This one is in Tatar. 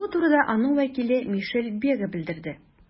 Бу турыда аның вәкиле Мишель Бега белдерде.